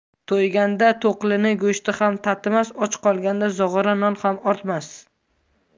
to'yganda to'qlining go'shti ham tatimas och qolganda zog'ora non ham ortmas